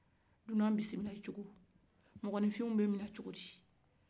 dunan bisimila cogo mɔgɔnifinw bɛ mina cogodi